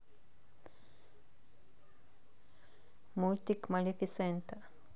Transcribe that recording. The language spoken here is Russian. мультик малефисента